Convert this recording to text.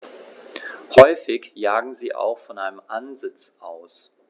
Häufig jagen sie auch von einem Ansitz aus.